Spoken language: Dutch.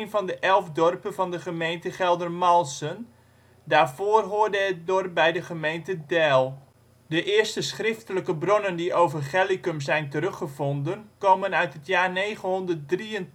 van de elf dorpen van de gemeente Geldermalsen, daarvoor hoorde het dorp bij de gemeente Deil. De eerste schriftelijke bronnen die over Gellicum zijn teruggevonden komen uit het jaar 983